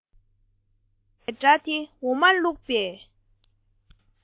ཇ བླུག པའི སྒྲ དེ འོ མ བླུག པའི